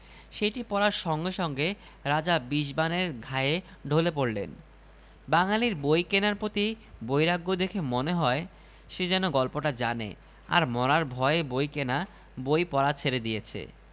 লিখেছেনঃ সৈয়দ মুজতবা আলী বাংলা ভাষার অন্যতম সেরা লেখক রম্য রচনায় তিনি ছিলেন অতুলনীয় প্রকাশকালঃ ০১ ফেব্রুয়ারী ২০১৭ ৩টা ২৬ মিনিট